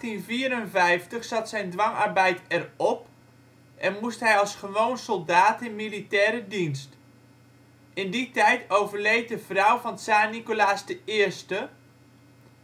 In 1854 zat zijn dwangarbeid erop en moest hij als gewoon soldaat in militaire dienst. In die tijd overleed de vrouw van Tsaar Nicolaas I,